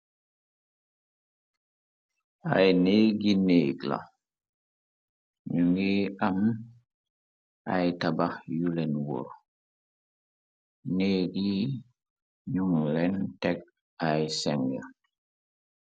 Aye néegi néegla nuñgée am ay tabax yulen wor néeg yi nyuñlen tek ay segeh.